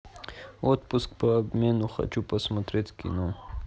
отпуск по обмену хочу посмотреть кино